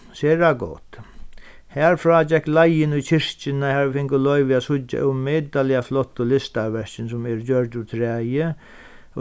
sera gott harfrá gekk leiðin í kirkjuna har vit fingu loyvi at síggja ómetaliga flottu listaverkini sum eru gjørd úr træi